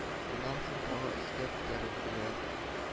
Моннан соң тагын өскә кутәрелделәр